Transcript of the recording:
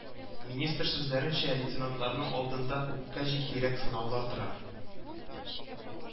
Министр сүзләренчә, лейтенантларның алдында күпкә җитдирәк сынаулар тора